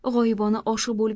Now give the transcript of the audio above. g'oyibona oshiq bo'lib